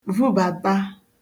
vubàta